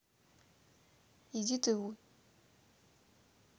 иди ты в хуй